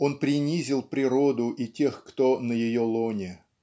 Он принизил природу и тех, кто - на ее лоне.